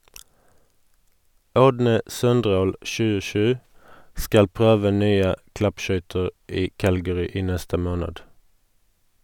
Ådne Søndrål (27) skal prøve nye klappskøyter i Calgary i neste måned.